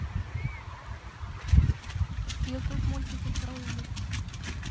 ютуб мультики тролли